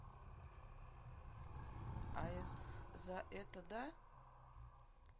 а из за этого да